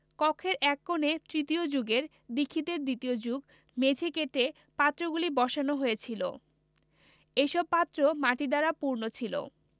কক্ষের এক কোণে তৃতীয় যুগের দীক্ষিতের দ্বিতীয় যুগ মেঝে কেটে পাত্রগুলি বসানো হয়েছিল এসব পাত্র মাটি দ্বারা পূর্ণ ছিল